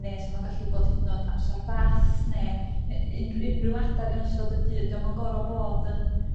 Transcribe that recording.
Ne' 'sa fo'n gallu bod hyd 'n od amsar bath ne' ne' un- unryw adeg yn ystod y dydd 'di o'm yn gor'o' bod yn